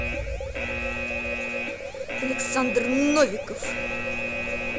александр новиков